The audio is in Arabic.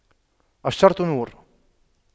الشرط نور